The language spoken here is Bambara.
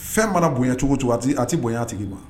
Fɛn mana bonya cogo cogo a tɛ a tɛ bonya a tigi ma.